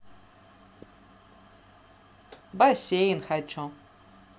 бассейн хочу